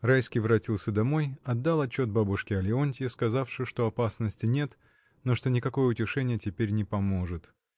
Райский воротился домой, отдал отчет бабушке о Леонтье, сказавши, что опасности нет, но что никакое утешение теперь не поможет.